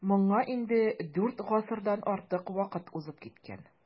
Моңа инде дүрт гасырдан артык вакыт узып киткән.